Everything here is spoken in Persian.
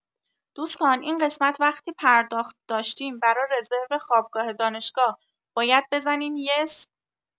دوستان این قسمت وقتی پرداخت داشتیم برا رزرو خوابگاه دانشگاه باید بزنیم yes؟